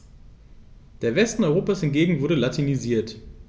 Der Westen Europas hingegen wurde latinisiert.